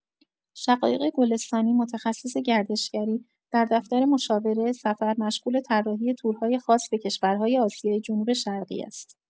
شقایق گلستانی، متخصص گردشگری، در دفتر مشاوره سفر مشغول طراحی تورهای خاص به کشورهای آسیای جنوب‌شرقی است.